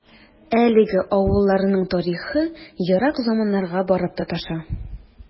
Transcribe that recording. Әлеге авылларның тарихы ерак заманнарга барып тоташа.